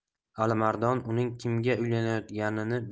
alimardon uning kimga uylanayotganini